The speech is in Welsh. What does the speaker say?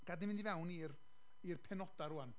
Gad ni fynd i mewn i'r i'r penodau rŵan. Yym.